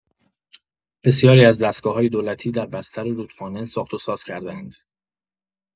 بسیاری از دستگاه‌های دولتی در بستر رودخانه ساخت‌وساز کرده‌اند.